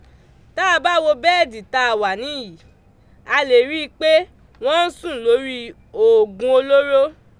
Tá a bá wo bẹ́ẹ̀dì tá a wà níhìn ín, a lè rí i pé wọ́n ń sùn lórí òògùn olóró.